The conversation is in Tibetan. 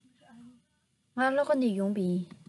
ང ལྷོ ཁ ནས ཡོང པ ཡིན